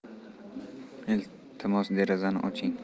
iltimos derazani oching